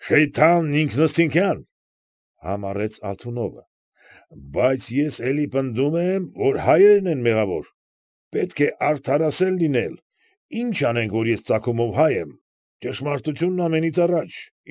Շեյթանն ինքըստինքյան,֊ համառեց Ալթունովը,֊ բայց ես էլի պնդում եմ, որ հայերն են մեղավոր, պետք է արդարասեր լինել, ինչ անենք, որ ես ծագումով հայ եմ, ճշմարտությունն ամենից առաջ։